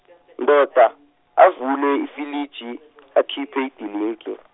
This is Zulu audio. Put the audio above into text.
ndoda, avule ifiliji akhiphe idilinki.